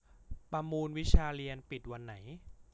ประมูลวิชาเรียนปิดวันไหน